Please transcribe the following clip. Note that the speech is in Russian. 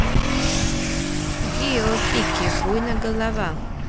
гио пики буйно голова